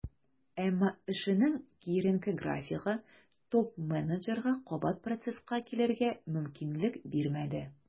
Әмма эшенең киеренке графигы топ-менеджерга кабат процесска килергә мөмкинлек бирмәде.